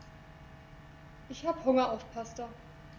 Ich habe Hunger auf Pasta.